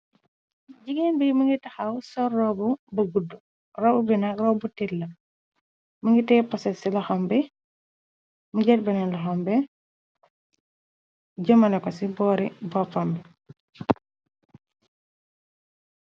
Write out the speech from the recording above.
Jigéen bi mi ngi taxaw sër roobu bu gudd roobu bina robu tilla mi ngite posés ci loxame mu jer bene loxambe jëmane ko ci boori boppambi,